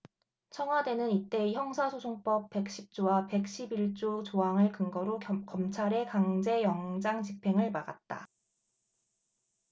청와대는 이때 형사소송법 백 십 조와 백 십 일 조 조항을 근거로 검찰의 강제 영장집행을 막았다